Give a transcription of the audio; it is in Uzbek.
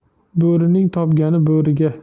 bo'rining topgani bo'riga